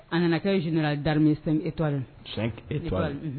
A nana kɛ e zmi ye etori e